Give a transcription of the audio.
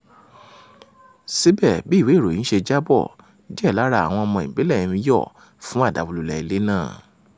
Síbẹ̀, bí ìwé ìròyìn ṣe jábọ̀, díẹ̀ lára àwọn ọmọ ìbílẹ̀ ń yọ̀ fún àdàwólulẹ̀ ilé náà.